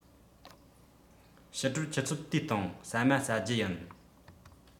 ཕྱི དྲོར ཆུ ཚོད དུའི སྟེང ཟ མ ཟ རྒྱུ ཡིན